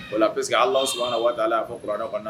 Ola parce que Alahu subuhana wa taala y'a fɔ kurana